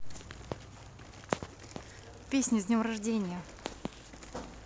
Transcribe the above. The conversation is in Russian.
песни с днем рождения